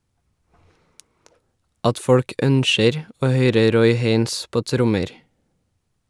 - At folk ønskjer å høyre Roy Haynes på trommer.